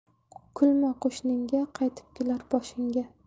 kulma qo'shningga qaytib kelar boshingga